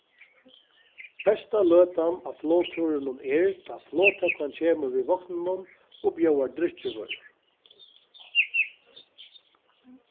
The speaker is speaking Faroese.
besta løtan á flogtúrinum er tá flogternan kemur við vogninum og bjóðar drykkjuvørur